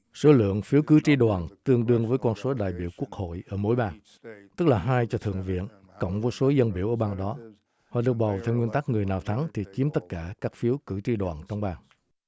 số lượng phiếu cử tri đoàn tương đương với con số đại biểu quốc hội ở mỗi bang tức là hai cho thượng viện cộng số dân biểu bang đó họ được bầu theo nguyên tắc người nào thắng thì chiếm tất cả các phiếu cử tri đoàn trong bang